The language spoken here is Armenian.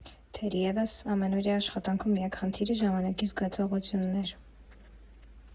Թերևս, ամենօրյա աշխատանքում միակ խնդիրը ժամանակի զգացողությունն էր։